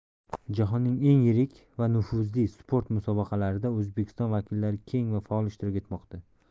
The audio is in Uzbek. jahonning eng yirik va nufuzli sport musobaqalarida o'zbekiston vakillari keng va faol ishtirok etmoqda